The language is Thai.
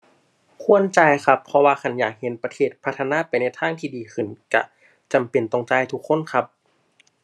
ควรจ่ายครับ เพราะว่าคันอยากเห็นประเทศพัฒนาไปในทางที่ดีขึ้น ก็จำเป็นต้องจ่ายทุกคนครับ